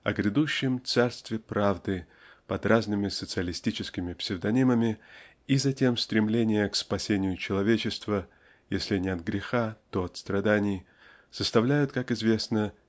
о грядущем царстве правды (под разными социалистическими псевдонимами) и затем стремление к опасению человечества -- если не от греха то от страданий -- составляют как известно